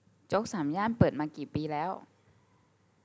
โจ๊กสามย่านเปิดมากี่ปีแล้ว